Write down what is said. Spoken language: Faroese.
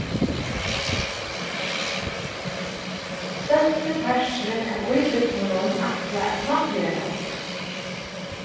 størsti parturin av íbúgvunum ætla at hátíðarhalda